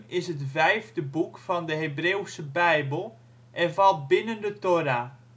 is het vijfde boek van de Hebreeuwse Bijbel en valt binnen de Thora